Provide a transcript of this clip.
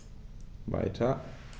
Weiter.